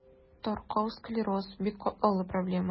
Таркау склероз – бик катлаулы проблема.